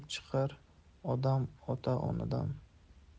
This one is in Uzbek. chiqar odam ota onadan